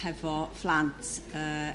hefo phlant yrr